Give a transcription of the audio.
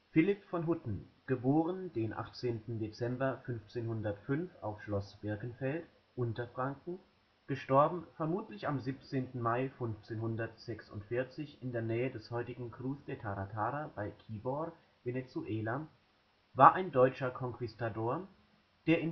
Philipp von Hutten (* 18. Dezember 1505 auf Schloss Birkenfeld, Unterfranken; † vermutlich am 17. Mai 1546 in der Nähe des heutigen Cruz de Tara-Tara bei Quíbor, Venezuela) war ein deutscher Konquistador, der